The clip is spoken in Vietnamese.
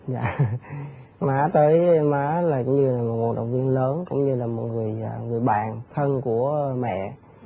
dạ má tới má là coi như là nguồn động viên lớn cũng như là một người người bạn thân của mẹ